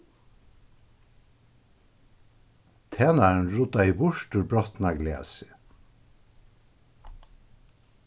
tænarin ruddaði burtur brotna glasið